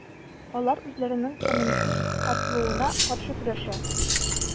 Алар үзләренең канунсыз кыскартылуына каршы көрәшә.